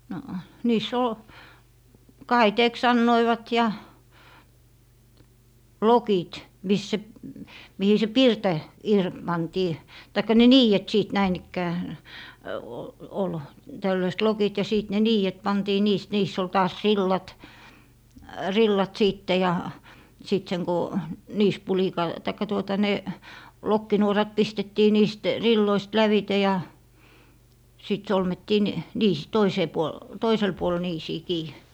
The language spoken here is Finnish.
no niissä oli kaiteeksi sanoivat ja lokit missä se mihin se pirta - pantiin tai ne niidet sitten näin ikään - oli tällaiset lokit ja sitten ne niidet pantiin niistä niissä oli taas rillat rillat sitten ja sitten sen kun niisipulikalla tai tuota ne lokkinuorat pistettiin niistä rilloista lävitse ja sitten solmittiin -- toiseen puolen toiselle puolelle niisiin kiinni